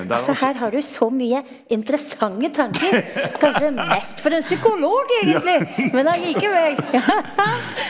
altså her har du så mye interessante tanker, kanskje mest for en psykolog egentlig, men allikevel ja.